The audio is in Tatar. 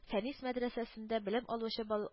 Фәнис мәдрәсәсендә белем алучы бал